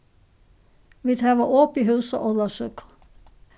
vit hava opið hús á ólavsøku